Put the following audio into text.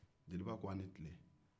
jeliba ko a ni tile